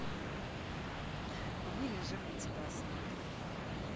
а мы лежим на тебя смотрим